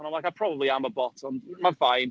And I'm like, I probably am a bot. Ond, ma'n fine.